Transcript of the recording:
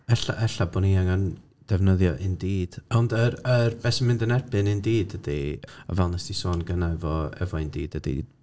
Ella ella bo' ni angen defnyddio Indeed. Ond yr yr... be sy'n mynd yn erbyn Indeed ydy, fel wnes ti sôn gynna efo efo Indeed ydy...